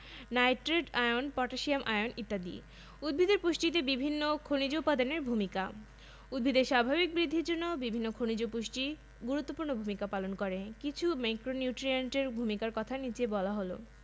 জীবকোষের DNA RNA NADP ATP প্রভৃতির গাঠনিক উপাদান কাজেই এটি ছাড়া উদ্ভিদের পুষ্টি একেবারেই সম্ভব নয় উদ্ভিদের মূল বৃদ্ধির জন্য ফসফরাস অত্যন্ত প্রয়োজনীয় উপাদান আয়রন